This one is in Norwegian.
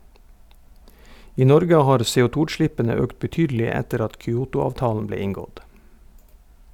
I Norge har CO2-utslippene økt betydelig etter at Kyoto-avtalen ble inngått.